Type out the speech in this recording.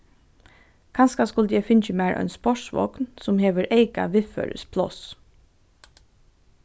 kanska skuldi eg fingið mær ein sportsvogn sum hevur eyka viðførispláss